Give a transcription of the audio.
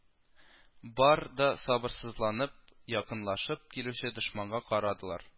Бар да сабырсызланып якынлашып килүче дошманга карадылар